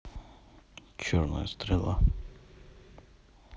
черная стрела